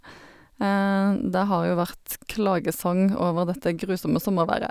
Det har jo vært klagesang over dette grusomme sommerværet.